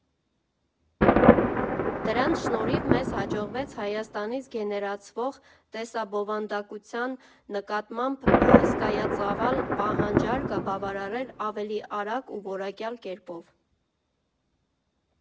Դրանց շնորհիվ մեզ հաջողվեց Հայաստանից գեներացվող տեսաբովանդակության նկատմամբ հսկայածավալ պահանջարկը բավարարել ավելի արագ ու որակյալ կերպով։